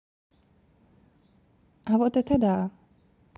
а вот это да